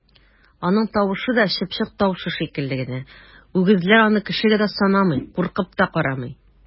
Аның тавышы да чыпчык тавышы шикелле генә, үгезләр аны кешегә дә санамый, куркып та карамый!